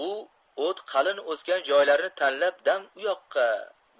u o't qalin o'sgan joylarni tanlab dam u yoqqa